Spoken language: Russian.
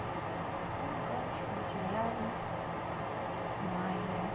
анна банщикова в сериале майя